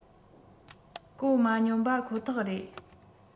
གོ མ མྱོང པ ཁོ ཐག རེད